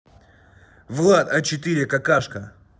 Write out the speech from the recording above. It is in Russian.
влад а четыре какашка